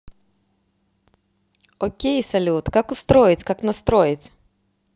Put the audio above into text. окей салют как устроить как настроить